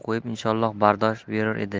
qo'yib inshoollo bardosh berur dedi